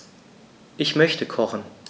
Ich möchte kochen.